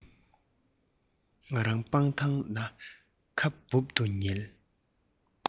ང རང སྤང ཐང ན ཁ སྦུབ ཏུ ཉལ